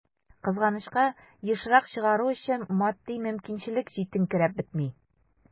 Кызганычка, ешрак чыгару өчен матди мөмкинчелек җитенкерәп бетми.